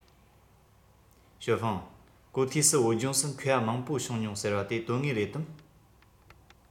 ཞའོ ཧྥུང གོ ཐོས སུ བོད ལྗོངས སུ མཁས པ མང པོ བྱུང མྱོང ཟེར བ དེ དོན དངོས རེད དམ